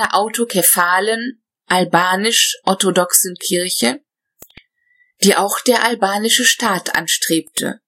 autokephalen albanisch-orthodoxen Kirche, die auch der albanische Staat anstrebte